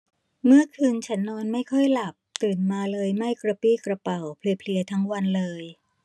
เมื่อคืนฉันนอนไม่ค่อยหลับตื่นมาเลยไม่กระปรี้กระเปร่าเพลียเพลียทั้งวันเลย